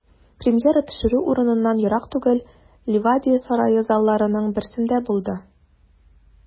Премьера төшерү урыныннан ерак түгел, Ливадия сарае залларының берсендә булды.